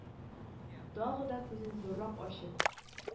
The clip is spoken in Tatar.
Тагы да күзен зуррак ачып,